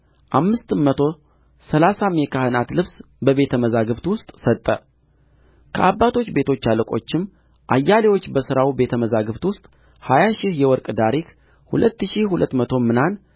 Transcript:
አምስት መቶ ሠላሳም የካህናት ልብስ በቤተ መዛግብት ውስጥ ሰጠ ከአባቶች ቤቶች አለቆችም አያሌዎቹ በሥራው ቤተ መዛግብት ውስጥ ሀያ ሺህ የወርቅ ዳሪክ ሁለት ሺህ ሁለት መቶም ምናን